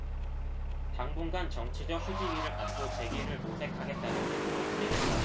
당분간 정치적 휴지기를 갖고 재기를 모색하겠다는 뜻으로 풀이된다